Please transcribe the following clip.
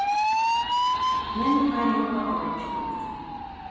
myndirnar hanga á vegginum